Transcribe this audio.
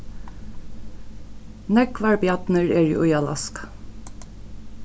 nógvar bjarnir eru í alaska